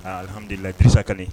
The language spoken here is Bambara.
A alihamduliladisaka